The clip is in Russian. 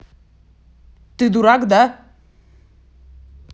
ты дурак да